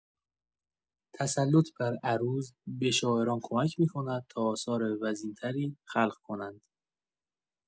تسلط بر عروض به شاعران کمک می‌کند تا آثار وزین‌تری خلق کنند.